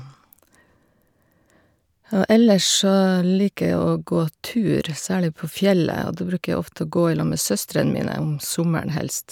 Og ellers så liker jeg å gå tur, særlig på fjellet, og da bruker jeg ofte å gå i lag med søstrene mine, om sommeren, helst.